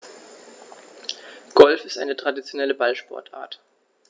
Golf ist eine traditionelle Ballsportart.